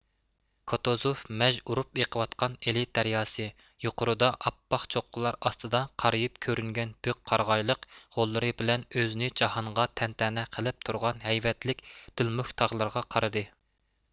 كوتۇزۇف مەۋج ئۇرۇپ ئېقىۋاتقان ئىلى دەرياسى يۇقىرىدا ئاپئاق چوققىلار ئاستىدا قارىيىپ كۆرۈنگەن بۈك قارىغايلىق غوللىرى بىلەن ئۆزىنى جاھانغا تەنتەنە قىلىپ تۇرغان ھەيۋەتلىك دىلمۇك تاغلىرىغا قارىدى